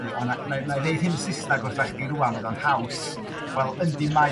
deu' o na'i ddeu' hyn yn Susnag wrtha chdi rŵan fydd o'n haws. Wel yndi mae